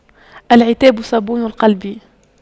العتاب صابون القلب